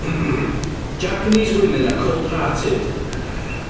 Japanese Women are cold hearted.